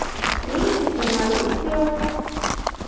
песня формалин flëur